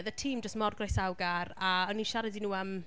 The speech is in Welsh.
Oedd y tîm jyst mor groesawgar a o'n i'n siarad i nhw am…